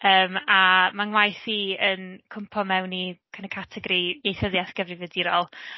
Yym a ma' ngwaith i yn cwmpo mewn i kinda categori ieithyddiaeth gyfrifiadurol.